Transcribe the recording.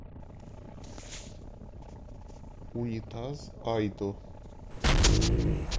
унитаз айдо